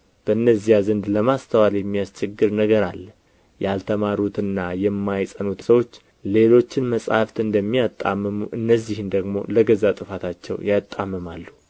በእነዚያ ዘንድ ለማስተዋል የሚያስቸግር ነገር አለ ያልተማሩትና የማይጸኑትም ሰዎች ሌሎችን መጻሕፍት እንደሚያጣምሙ እነዚህን ደግሞ ለገዛ ጥፋታቸው ያጣምማሉ